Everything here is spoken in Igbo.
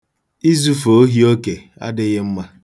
Izufe ohi oke adịghị mma.